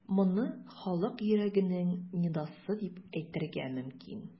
Моны халык йөрәгенең нидасы дип әйтергә мөмкин.